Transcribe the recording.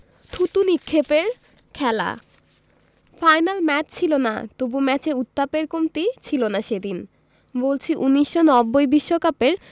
থুতু নিক্ষেপের খেলা ফাইনাল ম্যাচ ছিল না তবু ম্যাচে উত্তাপের কমতি ছিল না সেদিন বলছি ১৯৯০ বিশ্বকাপের